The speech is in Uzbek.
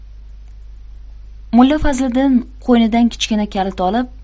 mulla fazliddin qo'ynidan kichkina kalit olib